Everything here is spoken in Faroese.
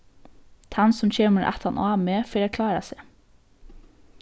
tann sum kemur aftan á meg fer at klára seg